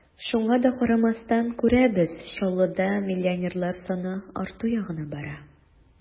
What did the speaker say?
Шуңа да карамастан, күрәбез: Чаллыда миллионерлар саны арту ягына бара.